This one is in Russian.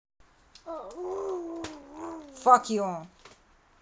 fuck you